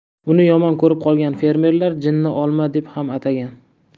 uni yomon ko'rib qolgan fermerlar jinni olma deb ham atagan